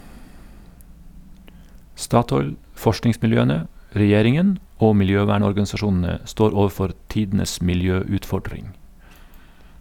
Statoil, forskningsmiljøene, regjeringen og miljøvernorganisasjonene står overfor tidenes miljøutfordring.